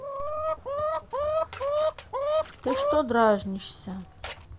ты что дразнишься